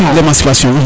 l' émancipation